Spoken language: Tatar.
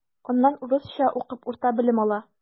Аннан урысча укып урта белем ала.